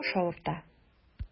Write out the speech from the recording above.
Баш авырта.